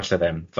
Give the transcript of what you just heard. Falle ddim.